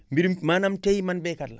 mbirum maanaam tey man baykat laa